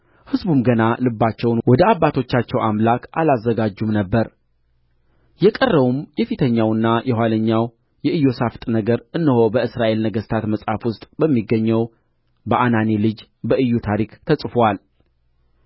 ሕዝቡም ገና ልባቸውን ወደ አባቶቻቸው አምላክ አላዘጋጁም ነበር የቀረውም የፊተኛውና የኋለኛው የኢዮሣፍጥ ነገር እነሆ በእስራኤል ነገሥታት መጽሐፍ ውስጥ በሚገኘው በአናኒ ልጅ በኢዩ ታሪክ ተጽፎአል